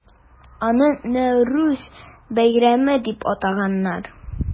Аны Нәүрүз бәйрәме дип атаганнар.